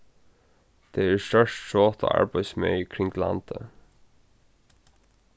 tað er stórt trot á arbeiðsmegi kring landið